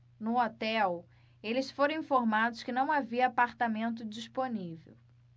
no hotel eles foram informados que não havia apartamento disponível